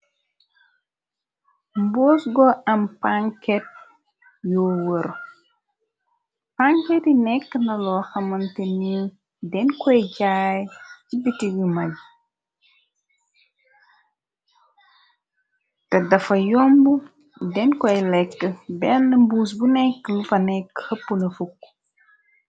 Mboos go am panket yoo wër panket yi nekk naloo xamante ni den koy jaay ci bitik yu maj te dafa yomb den koy lekk benn mbuus bu nekke lufa nekk ëpp na fukk.